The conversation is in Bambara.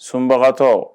Sunbagatɔ